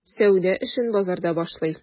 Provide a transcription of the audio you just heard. Сәүдә эшен базарда башлый.